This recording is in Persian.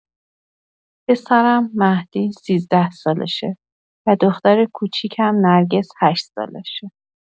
پسرم، مهدی، سیزده سالشه و دختر کوچیکم، نرگس، هشت سالشه.